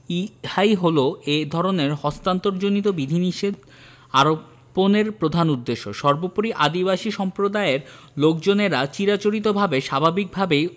ইহাই হল এ ধরনের হস্তান্তরজনিত বিধিনিষেধ আরোপনের প্রধান উদ্দেশ্য সর্বপরি আদিবাসী সম্প্রদায়ের লোকজনেরা চিরাচরিতভাবে স্বাভাবিকভাবে